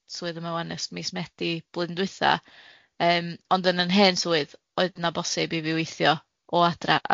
yn neud swydd yma ŵan ers mis Medi blwyddyn dwytha yym ond yn yn hen swydd oedd na bosib i fi weithio o adra.